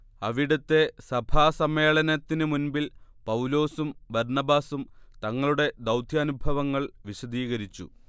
അവിടത്തെ സഭാസമ്മേളനത്തിന് മുൻപിൽ പൗലോസും ബർണ്ണബാസും തങ്ങളുടെ ദൗത്യാനുഭവങ്ങൾ വിശദീകരിച്ചു